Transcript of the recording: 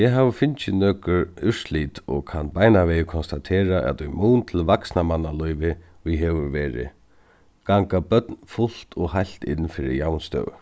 eg havi fingið nøkur úrslit og kann beinanvegin konstatera at í mun til vaksnamannalívið ið hevur verið ganga børn fult og heilt inn fyri javnstøðu